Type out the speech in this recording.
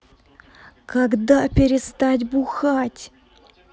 когда перестать бухать